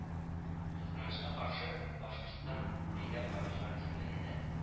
Кызганычка каршы, Башкортстан әйдәп баручылар исемлегендә